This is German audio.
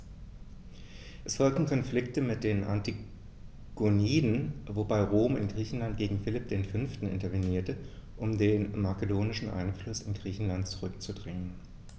Es folgten Konflikte mit den Antigoniden, wobei Rom in Griechenland gegen Philipp V. intervenierte, um den makedonischen Einfluss in Griechenland zurückzudrängen.